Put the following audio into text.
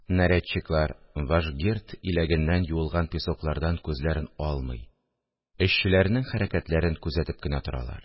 Нарядчиклар, вашгерд иләгеннән юылган песоклардан күзләрен алмый, эшчеләрнең хәрәкәтләрен күзәтеп кенә торалар